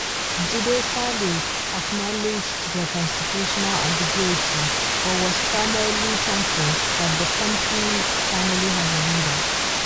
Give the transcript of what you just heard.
Jide Salu acknowledged the constitutional ambiguity, but was primarily thankful that the country finally has a leader.